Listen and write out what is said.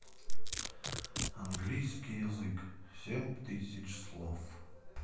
английский язык семь тысяч слов